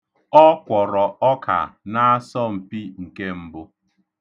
Ọ kwọrọ ọka n'asọmpị nke mbụ.